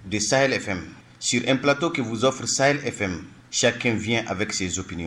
De sahel fm, sur un plateau qui vous offre sahel fm, chacun vient avec ses opinions